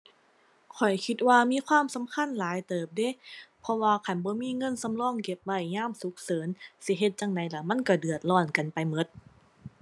ข้อยคิดว่ามีความสำคัญหลายเติบเดะ เพราะว่าคันบ่มีเงินสำรองเก็บไว้ยามฉุกเฉินสิเฮ็ดจั่งใดล่ะ มันก็เดือดร้อนกันไปก็